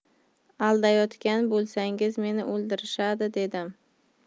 aldayotgan bo'lsangiz meni o'ldirishadi dedim